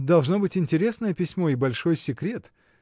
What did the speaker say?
— Должно быть, интересное письмо и большой секрет!